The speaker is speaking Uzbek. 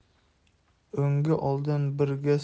o'nga olgin birga